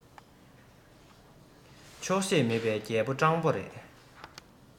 ཆོག ཤེས མེད པའི རྒྱལ པོ སྤྲང པོ རེད